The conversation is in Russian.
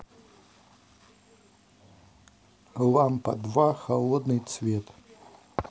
лампа два холодный цвет